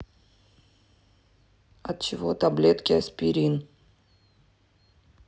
от чего таблетки аспирин